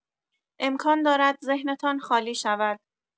امکان دارد ذهنتان خالی شود.